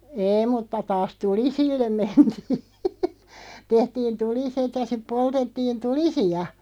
ei mutta taas tulisille mentiin tehtiin tuliset ja sitten poltettiin tulisia